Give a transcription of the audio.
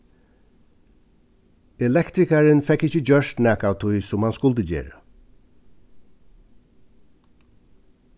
elektrikarin fekk ikki gjørt nakað av tí sum hann skuldi gera